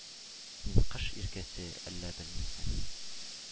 Мин кыш иркәсе, әллә белмисең?